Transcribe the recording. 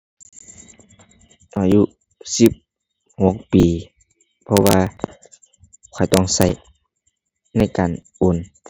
อายุสิบหกปี เพราะว่าข้อยต้องใช้ในการโอน